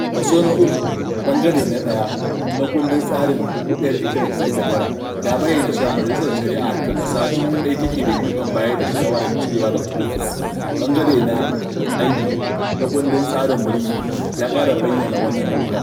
Kaso na Uku, ɓangare na 1 na kundin tsarin 1999 ya bayyana cewa Majalisar Shari'a ta ƙasa ce kaɗai take da ikon bayar da shawarar cirewa daga ofis. ɓangare na Iɓ na kundin tsarin mulki ya ƙara bayyana wannan dokar.